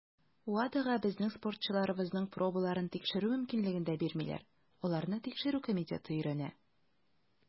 WADAга безнең спортчыларыбызның пробаларын тикшерү мөмкинлеген дә бирмиләр - аларны Тикшерү комитеты өйрәнә.